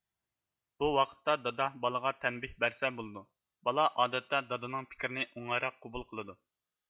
بۇ ۋاقىتتا دادا بالىغا تەنبىھ بەرسە بولىدۇ بالا ئادەتتە دادىنىڭ پىكرىنى ئوڭايراق قوبۇل قىلىدۇ